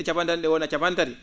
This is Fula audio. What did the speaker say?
capantati ?e wona capantati